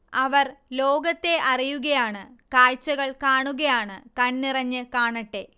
അവർ ലോകത്തെ അറിയുകയാണ് കാഴ്ചകൾ കാണുകയാണ് കൺനിറഞ്ഞ് കാണട്ടെ